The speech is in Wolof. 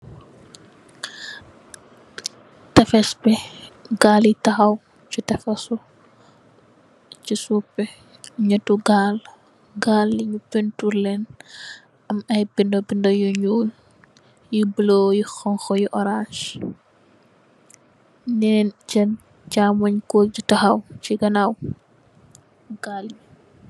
Tafes bi gal yi tahaw ci tafesu. Ci soof bi nyetu gal. Gal nyun pentur len am ay binda binda nyol, yu blue, yu xongxo, yu orangé. Nyen Chen chamung korr bi tahaw ci ganaw gal bii.